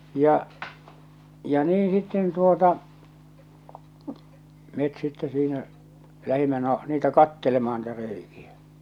ja ja niin sitten tuota me sitten siinä lähdimme no niitä katselemaan niitä reikiä